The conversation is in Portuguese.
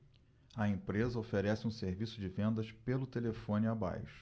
a empresa oferece um serviço de vendas pelo telefone abaixo